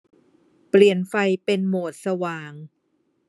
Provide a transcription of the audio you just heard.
เปลี่ยนไฟเป็นโหมดสว่าง